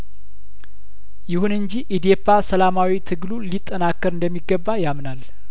ይሁን እንጂ ኢዴፓ ሰላማዊ ትግሉ ሊጠናከር እንደሚገባ ያምናል